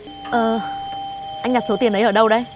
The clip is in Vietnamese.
ờ anh nhặt số tiền ấy ở đâu đấy